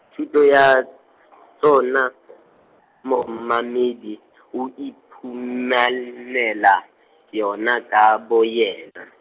thuto ya , tsona , momamedi, o iphuman- -nela, yona ka boyena.